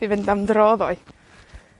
i fynd am dro ddoe.